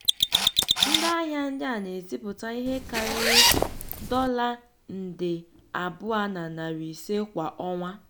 Ndị ahịa ndị a na-ezipụ ihe karịrị nde $2.5 kwa ọnwa.